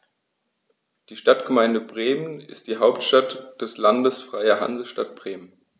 Die Stadtgemeinde Bremen ist die Hauptstadt des Landes Freie Hansestadt Bremen.